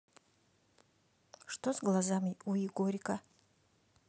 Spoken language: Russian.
что с глазами у егорика